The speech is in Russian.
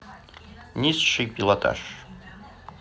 низший пилотаж